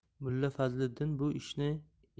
mulla fazliddin bu